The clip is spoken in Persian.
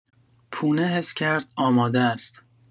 پونه حس کرد آماده‌ست.